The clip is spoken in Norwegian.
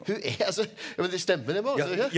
hun er altså ja vi stemmer det Marius ?